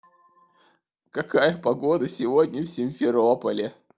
какая погода сегодня в симферополе